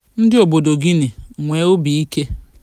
Ndị obodo Guinea, nwee obi ike!